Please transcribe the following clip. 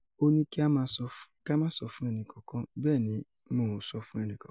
”Ó ní ki máa sọ fún ẹnìkankan, bẹ́ẹ̀ ni mo ‘ò sọ fún ẹnìkankan.”